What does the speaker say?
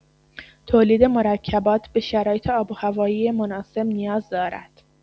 تولید مرکبات به شرایط آب‌وهوایی مناسب نیاز دارد.